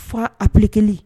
Fa ap kelen